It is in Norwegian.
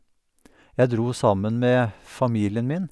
Jeg dro sammen med familien min.